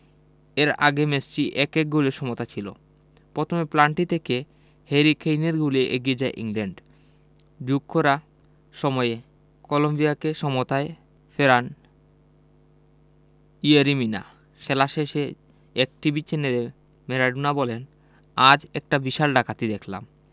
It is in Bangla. এর আগে ম্যাচটি ১ ১ গোলে সমতা ছিল পথমে প্লাল্টি থেকে হ্যারি কেইনের গোলে এগিয়ে যায় ইংল্যান্ড যোগ করা সময়ে কলম্বিয়াকে সমতায় ফেরান ইয়েরি মিনা খেলা শেষে এক টিভি চ্যানেলে ম্যারাডোনা বলেন আজ একটা বিশাল ডাকাতি দেখলাম